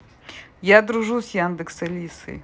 я дружу с яндекс алисой